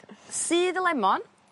Sudd y lemon.